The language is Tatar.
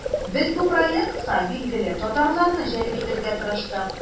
Без бу проектка билгеле татарларны җәлеп итәргә тырыштык.